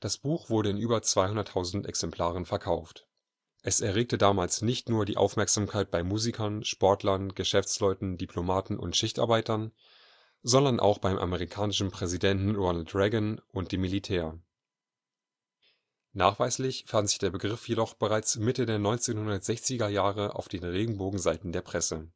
Das Buch wurde in über 200.000 Exemplaren verkauft. Es erregte damals nicht nur Aufmerksamkeit bei Musikern, Sportlern, Geschäftsleuten, Diplomaten und Schichtarbeitern, sondern auch beim amerikanischen Präsidenten Ronald Reagan und dem Militär. Nachweislich fand sich der Begriff jedoch bereits Mitte der 1960er Jahre auf den Regenbogenseiten der Presse.